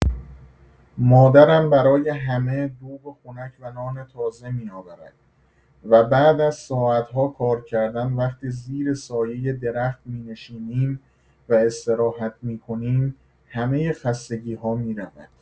مادرم برای همه دوغ خنک و نان تازه می‌آورد و بعد از ساعت‌ها کار کردن وقتی زیر سایه درخت می‌نشینیم و استراحت می‌کنیم، همه خستگی‌ها می‌رود.